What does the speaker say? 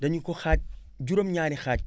dañu ko xaaj juróom-ñaari xaaj